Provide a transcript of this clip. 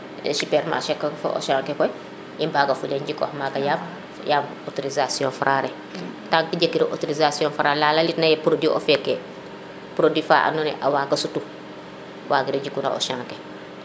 supermarché ke fo Auchan ke koy i mbaga fule njikox maga yam autorisation Fra le tant que jegiro autorisation Fra la allit na ye produit of feke produit fa ando naye a waga sutu wagiro jiku na Auchan ke